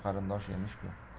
qarindosh emish ku